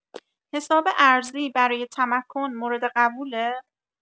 حساب ارزی برای تمکن مورد قبوله؟